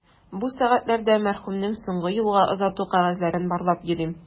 Бу сәгатьләрдә мәрхүмнең соңгы юлга озату кәгазьләрен барлап йөрим.